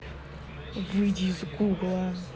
выйди из гугла